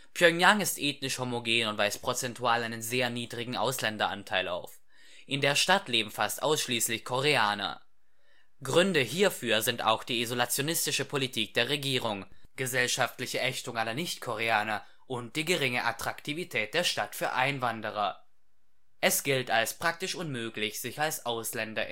Pjöngjang ist ethnisch homogen und weist prozentual einen sehr niedrigen Ausländeranteil auf. In der Stadt leben fast ausschließlich Koreaner. Gründe hierfür sind auch die isolationistische Politik der Regierung, gesellschaftliche Ächtung aller Nichtkoreaner und die geringe Attraktivität der Stadt für Einwanderer. Es gilt als praktisch unmöglich, sich als Ausländer